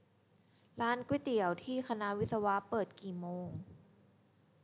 ร้านก๋วยเตี๋ยวที่คณะวิศวะเปิดกี่โมง